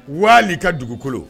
Waa ka dugukolo